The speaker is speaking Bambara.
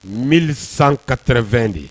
Mili san katɛ2 de